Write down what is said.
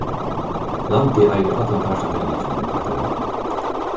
landið eigur allan partapeningin í partafelagnum